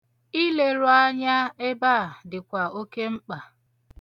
Ileru anya ebe a dịkwa oke mkpa.